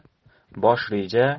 bosh reja